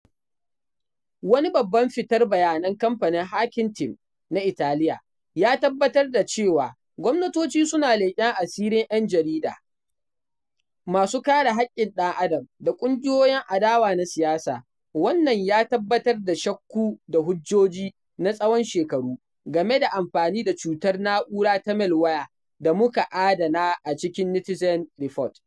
Wani babban fitar bayanan kamfanin Hacking Team na Italiya ya tabbatar da cewa gwamnatoci suna leƙen asirin ‘yan jarida, masu kare haƙƙin ɗan adam, da ƙungiyoyin adawa na siyasa, wannan ya tabbatar da shakku da hujjoji na tsawon shekaru game da amfani da cutar na'ura ta malware da muka adana a cikin Netizen Report.